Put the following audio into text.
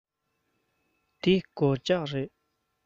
འདི སྒོ ལྕགས རེད